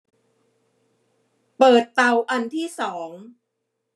เปิดเตาอันที่สอง